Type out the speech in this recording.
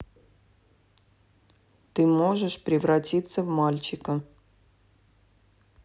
ты можешь превратиться в мальчика